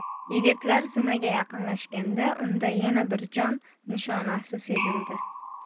yigitlar zinaga yaqinlashganda unda yana bir jon nishonasi sezildi